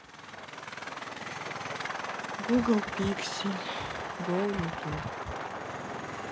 гугл пиксель гоу ютуб